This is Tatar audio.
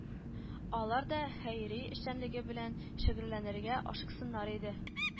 Алар да хәйри эшчәнлеге белән шөгыльләнергә ашыксыннар иде